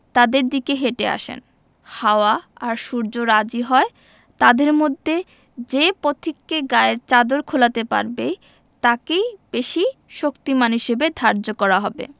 তাদের দিকে হেটে আসেন হাওয়া আর সূর্য রাজি হয় তাদের মধ্যে যে পথিককে গায়ের চাদর খোলাতে পারবে তাকেই বেশি শক্তিমান হিসেবে ধার্য করা হবে